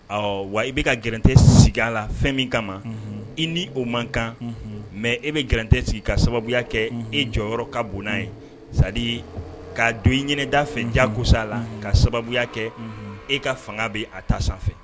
Ɔ wa i bɛ ka gte sigi la fɛn min kama i ni o man kan mɛ e bɛ garante sigi ka sababuya kɛ e jɔyɔrɔyɔrɔ ka bon ye zanali ka don i ɲini fɛn jasa a la ka sababuya kɛ e ka fanga bɛ a ta sanfɛ